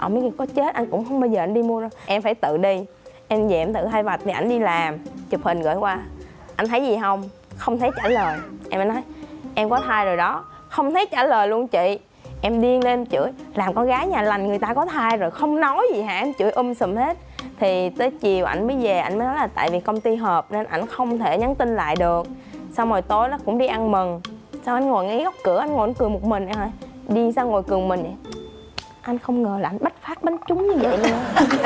ổng kêu có chết anh cũng không bao giờ anh đi mua đâu em phải tự đi em về em thử hai vạch thì ảnh đi làm chụp hình gửi qua anh thấy gì hông không thấy trả lời em mới nói em có thai rồi đó không thấy trả lời luôn chị em điên lên em chửi làm con gái nhà lành người ta có thai rồi không nói gì hả em chửi um sùm hết thì tới chiều ảnh mới về ảnh mới nói là tại vì công ty họp nên ảnh không thể nhắn tin lại được xong rồi tối đó cũng đi ăn mừng xong ảnh ngồi ngay góc cửa ảnh ngồi ảnh cười một mình em hỏi điên sao cười một mình vậy anh không ngờ là anh bách phát bách trúng như dậy luôn á